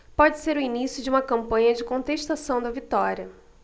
pode ser o início de uma campanha de contestação da vitória